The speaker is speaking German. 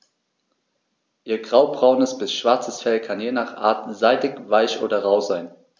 Ihr graubraunes bis schwarzes Fell kann je nach Art seidig-weich oder rau sein.